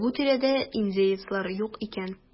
Бу тирәдә индеецлар юк икән.